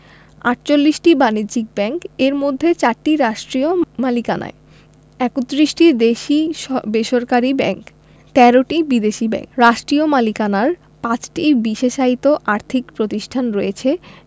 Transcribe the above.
৪৮টি বাণিজ্যিক ব্যাংক এর মধ্যে ৪টি রাষ্ট্রীয় মালিকানায় ৩১টি দেশী বেসরকারি ব্যাংক ১৩টি বিদেশী ব্যাংক রাষ্ট্রীয় মালিকানার ৫টি বিশেষায়িত আর্থিক প্রতিষ্ঠান রয়েছে